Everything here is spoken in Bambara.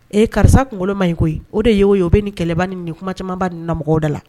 Ee karisa kunkolo man ɲi koyi. O de ye o ye , o be ni kɛlɛba in ni nin kuma camanba in na mɔgɔw da la.